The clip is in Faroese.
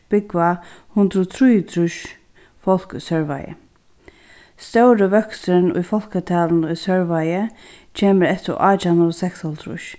búgva hundrað og trýogtrýss fólk í sørvági stóri vøksturin í fólkatalinum í sørvági kemur eftir átjan hundrað og seksoghálvtrýss